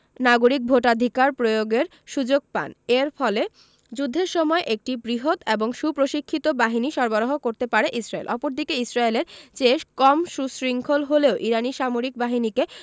নাগরিক ভোটাধিকার প্রয়োগের সুযোগ পান এর ফলে যুদ্ধের সময় একটি বৃহৎ এবং সুপ্রশিক্ষিত বাহিনী সরবরাহ করতে পারে ইসরায়েল অপরদিকে ইসরায়েলের চেয়ে কম সুশৃঙ্খল হলেও ইরানি সামরিক বাহিনীকে